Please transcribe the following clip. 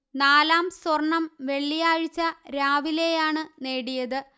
നാലാം സ്വര്ണം വെള്ളിയാഴ്ച രാവിലെയാണ് നേടിയത്